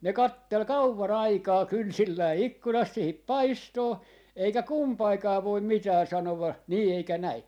ne katseli kauan aikaa kynsillään ikkunasta siihen paistoon eikä kumpikaan voi mitään sanoa niin eikä näin